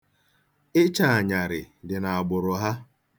Ịcha anyarị dị n'agbụrụ ha.